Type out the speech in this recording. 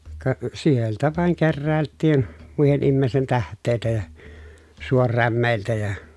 ka sieltä vain keräiltiin muiden ihmisten tähteitä ja suorämeiltä ja